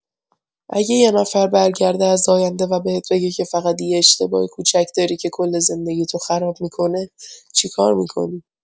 اگه یه نفر برگرده از آینده و بهت بگه که فقط یه اشتباه کوچیک داری که کل زندگیتو خراب می‌کنه، چی کار می‌کنی؟